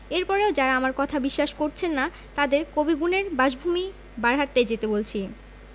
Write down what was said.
এর পরেও যারা আমার কথা বিশ্বাস করছেন না তাঁদের কবি গুণের বাসভূমি বারহাট্টায় যেতে বলছি